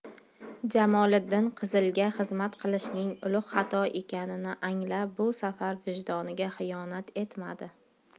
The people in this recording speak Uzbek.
jamoliddin qizilga xizmat qilishning ulug' xato ekanini anglab bu safar vijdoniga xiyonat etmadi